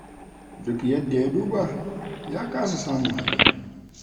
Duk yadda ya duba, ya kasa samun hanya.